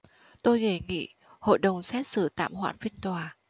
tôi đề nghị hội đồng xét xử tạm hoãn phiên tòa